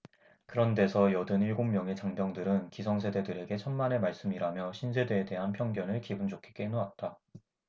그런 데서 여든 일곱 명의 장병들은 기성세대들에게 천만의 말씀이라며 신세대에 대한 편견을 기분좋게 깨놓았다